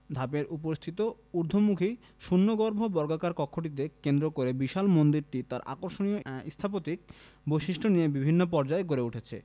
ধাপের উপরিস্থিত ঊর্ধ্বমুখী শূন্যগর্ভ বর্গাকার কক্ষটিকে কেন্দ্র করেই বিশাল মন্দিরটি তার আকর্ষণীয় স্থাপত্যিক বৈশিষ্ট্য নিয়ে বিভিন্ন পর্যায়ে গড়ে উঠেছে